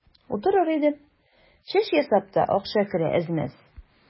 Утырыр идем, чәч ясап та акча керә әз-мәз.